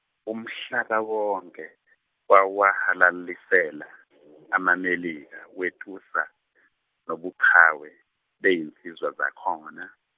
umhlaba wonke wahalalisela amaMelika wetusa nobuqhawe bezinsizwa zakhona.